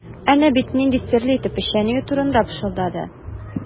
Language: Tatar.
Әнә бит нинди серле итеп печән өю турында пышылдады.